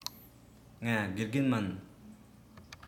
ང དགེ རྒན མིན